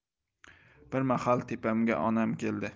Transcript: bir mahal tepamga onam keldi